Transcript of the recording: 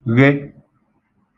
ghe